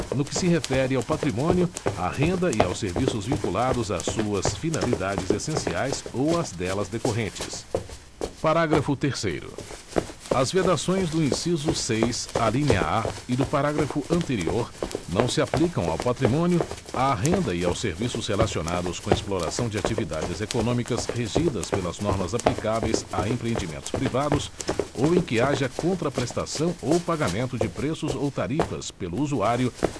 no que se refere ao patrimônio à renda e aos serviços vinculados a suas finalidades essenciais ou às delas decorrentes parágrafo terceiro as vedações do inciso seis alínea a e do parágrafo anterior não se aplicam ao patrimônio à renda e aos serviços relacionados com exploração de atividades econômicas regidas pelas normas aplicáveis a empreendimentos privados ou em que haja contraprestação ou pagamento de preços ou tarifas pelo usuário